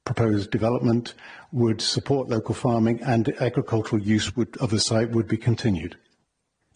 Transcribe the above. Proposed development would support local farming and agricultural use would- of the site would be continued.